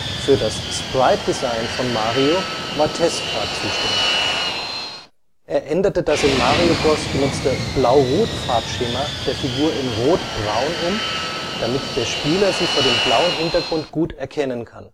Für das Sprite-Design von Mario war Tezuka zuständig. Er änderte das in Mario Bros. genutzte blau-rot-Farbschema der Figur in rot-braun um, damit der Spieler sie vor dem blauen Hintergrund gut erkennen kann